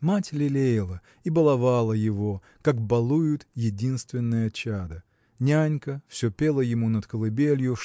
мать лелеяла и баловала его, как балуют единственное чадо нянька все пела ему над колыбелью